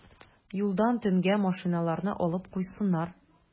Юлдан төнгә машиналарны алып куйсыннар.